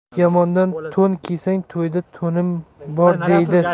yomondan to'n kiysang to'yda to'nim ber deydi